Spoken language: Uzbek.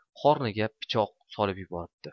qorniga pichoq solib yuboribdi